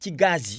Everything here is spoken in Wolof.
ci gaz yi